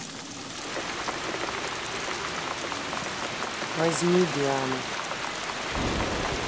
возьми диана